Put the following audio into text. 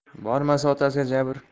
bormasa otasiga jabr